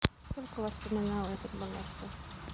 только вас вспоминала этак богатство